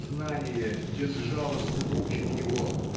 сознание безжалостно мучит его.